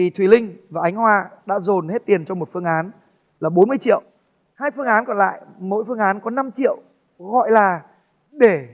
thì thùy linh và ánh hòa đã dồn hết tiền cho một phương án là bốn mươi triệu hai phương án còn lại mỗi phương án có năm triệu gọi là để